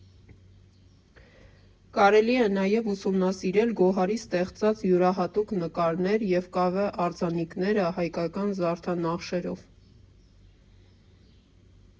Կարելի է նաև ուսումնասիրել Գոհարի ստեղծած յուրահատուկ նկարներ և կավե արձանիկները հայկական զարդանախշերով։